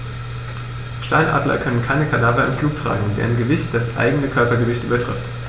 Steinadler können keine Kadaver im Flug tragen, deren Gewicht das eigene Körpergewicht übertrifft.